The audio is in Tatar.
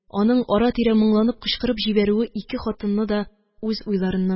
Аның ара-тирә моңланып кычкырып җибәрүе ике хатынны да үз уйларыннан